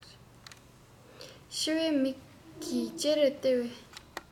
འཆི བའི མིག གིས ཅེ རེར བལྟ བའི